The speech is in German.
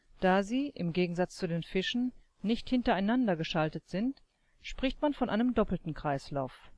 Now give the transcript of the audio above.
Da sie, im Gegensatz zu Fischen, nicht hintereinander geschaltet sind, spricht man von einem doppelten Kreislauf